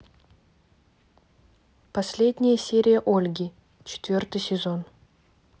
последняя серия ольги четвертый сезон